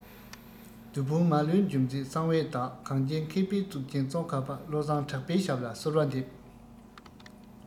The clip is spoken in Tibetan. བདུད དཔུང མ ལུས འཇོམས མཛད གསང བའི བདག གངས ཅན མཁས པའི གཙུག རྒྱན ཙོང ཁ བ བློ བཟང གྲགས པའི ཞབས ལ གསོལ བ འདེབས